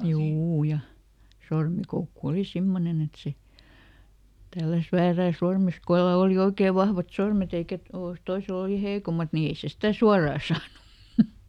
juu ja sormikoukku oli semmoinen että se tälläsi väärään sormeen kenellä oli oikein vahvat sormet eikä - toisella oli heikommat niin ei se sitä suoraan saanut